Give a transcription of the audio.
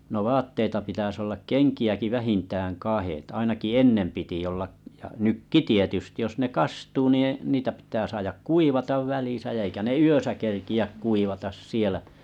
no vaatteita pitäisi olla kenkiäkin vähintään kahdet ainakin ennen piti olla ja nytkin tietysti jos ne kastuu niin niitä pitää saada kuivata välissä ja eikä ne yössä kerkeä kuivata siellä